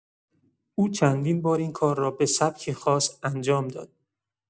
او چندبار این کار را به سبکی خاص انجام داد.